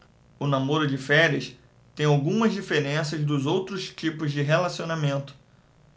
o namoro de férias tem algumas diferenças dos outros tipos de relacionamento